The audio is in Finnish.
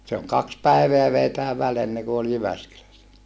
se on kaksi päivää vei tämä väli ennen kuin oli Jyväskylässä